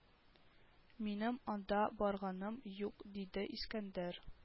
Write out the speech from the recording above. Минем анда барганым юк диде искәндәр